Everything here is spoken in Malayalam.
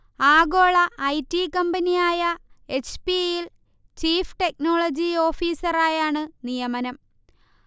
ആഗോള ഐ. ടി. കമ്പനിയായ എച്ച്. പി. യിൽ ചീഫ് ടെക്നോളജി ഓഫീസറായാണ് നിയമനം